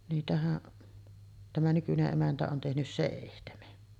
niitähän tämä nykyinen emäntä on tehnyt seitsemän